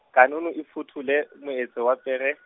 kanono e fothole moetso wa pere.